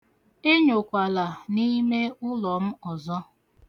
Enyokwala n'ime ụlọ m ọzọ.